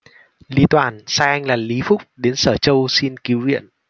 lý toàn sai anh là lý phúc đến sở châu xin cứu viện